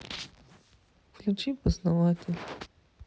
включи познаватель